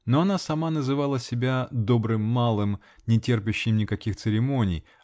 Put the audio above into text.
но она сама называла себя добрым малым, не терпящим никаких церемоний